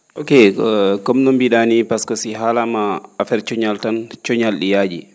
ok comme no mbii?aa nii par ce que si haalaama affaire coñal tan coñal ?i yaaji